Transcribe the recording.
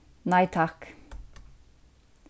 nei takk